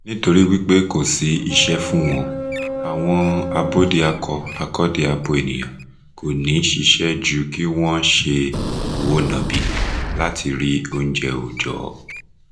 Nítorí wípé kò sí iṣẹ́ fún wọn, àwọn abódiakọ-akọ́diabo ènìyàn kò ní ṣíṣe ju kí wọn ó ṣe òwò nọ̀bì láti rí oúnjẹ òòjọ́.